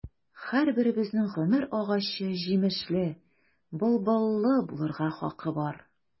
Һәрберебезнең гомер агачы җимешле, былбыллы булырга хакы бар.